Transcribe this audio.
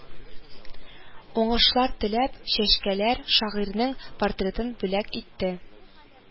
Уңышлар теләп, чәчкәләр, шагыйрәнең портретын бүләк итте